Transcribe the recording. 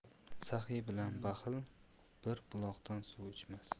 saxiy bilan baxil bir buloqdan suv ichmas